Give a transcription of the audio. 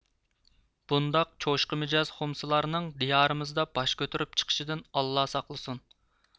بۇنداق چوشقا مىجەز خۇمسىلارنىڭ دىيارىمىزدا باش كۆتۈرۈپ چىقىشىدىن ئاللا ساقلىسۇن